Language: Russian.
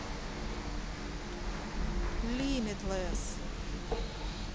limitless